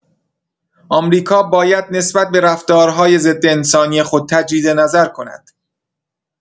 آمریکا باید نسبت به رفتارهای ضدانسانی خود تجدید نظر کند.